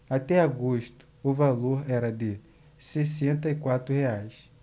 até agosto o valor era de sessenta e quatro reais